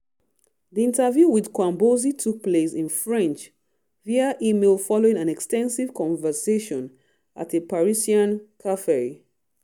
The interview with Ouabonzi took place in French via email following an extensive conversation at a Parisian café.